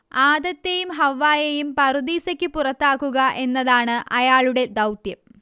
ആദത്തേയും ഹവ്വായേയും പറുദീസയ്ക്ക് പുറത്താക്കുക എന്നതാണ് അയാളുടെ ദൗത്യം